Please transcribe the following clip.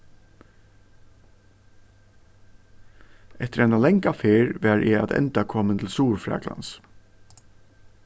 eftir eina langa ferð var eg at enda komin til suðurfraklands